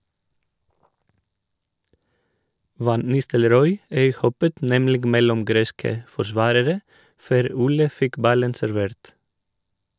Van Nistelrooy øyhoppet nemlig mellom greske forsvarere, før Ole fikk ballen servert.